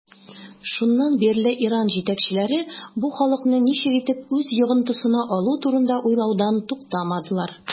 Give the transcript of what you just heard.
Шуннан бирле Иран җитәкчеләре бу халыкны ничек итеп үз йогынтысына алу турында уйлаудан туктамадылар.